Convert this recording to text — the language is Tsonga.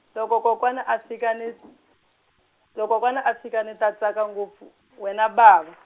loko kokwana a fika ni, loko kokwana a fika ni ta tsaka ngopfu, wena bava.